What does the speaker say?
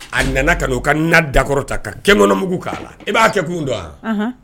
A nana ka' u ka na dakɔrɔta ka kɛkɔnɔ mugu k'a la e b'a kɛ kun don wa